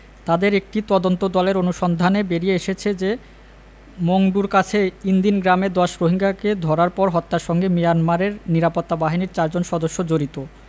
তাদের একটি তদন্তদলের অনুসন্ধানে বেরিয়ে এসেছে যে মংডুর কাছে ইনদিন গ্রামে ১০ রোহিঙ্গাকে ধরার পর হত্যার সঙ্গে মিয়ানমারের নিরাপত্তা বাহিনীর চারজন সদস্য জড়িত